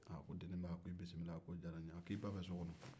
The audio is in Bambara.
aa ko deniba k'i bisimilahi k'o diyara n ye a k'i ba bɛ so kɔnɔ